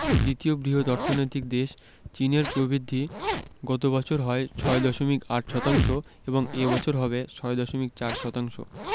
দ্বিতীয় বৃহৎ অর্থনৈতিক দেশ চীনের প্রবৃদ্ধি গত বছর হয় ৬.৮ শতাংশ এবং এ বছর হবে ৬.৪ শতাংশ